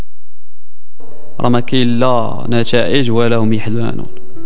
اماكن لا نتائج ولا هم يحزنون